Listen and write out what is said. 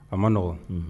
A ma nɔgɔn